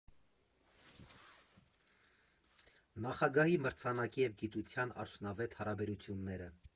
Նախագահի մրցանակի և գիտության արդյունավետ հարաբերությունները։